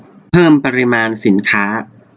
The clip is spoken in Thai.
เพิ่มปริมาณสินค้า